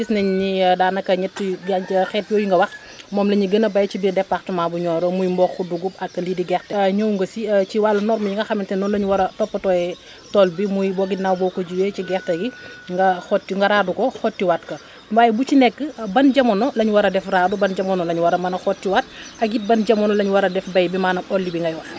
gis nañu ni daanaka ñett yu gàncax yi nga wax moom la ñuy gën a béy ci biir département bu Nioro muy mboq dugub ak lii di gerte ñew nga si wàllu normes yi nga xamante ni noonu la ñu war a toppatooyee tool bi muy bu ginnaaw boo ko jiwee ci gerte gi nga xotti nga raadu ko xottiwaat ko waaye bu ci nekk ban jamono la ñu war a def raadu ban jamono la ñu war a mën a xottiwaat ak it ban jamono la ñu war a def béy bi maanaam olli bi ngay wax